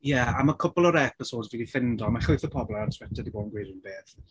Ie a mae cwpl o'r episodes fi 'di ffeindio mae llwyth o bobl ar Twitter 'di bod yn gweud yr un peth.